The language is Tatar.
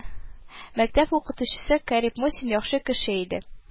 Мәктәп укытучысы Карип Мусин яхшы кеше иде